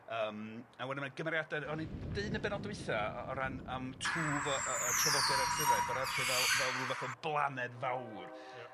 Yym a wedyn ma' 'na gymeriada o'n i'n deud yn y bennod dwytha o o ran yym twf o yy y traddodiad Arthuraidd bod Arthur fel fel ryw fath o blaned fwr. Ia.